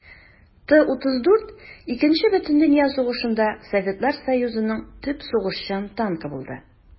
Т-34 Икенче бөтендөнья сугышында Советлар Союзының төп сугышчан танкы булды.